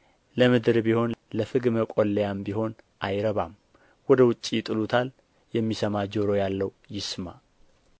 ለምድር ቢሆን ለፍግ መቈለያም ቢሆን አይረባም ወደ ውጭ ይጥሉታል የሚሰማ ጆሮ ያለው ይስማ